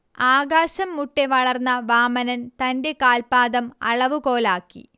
ആകാശംമുട്ടെ വളർന്ന വാമനൻ തന്റെ കാൽപ്പാദം അളവുകോലാക്കി